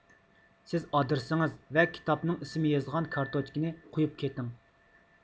سىز ئادرېسىڭىز ۋە كىتابنىڭ ئىسمى يېزىلغان كارتوچكىنى قويۇپ كېتىڭ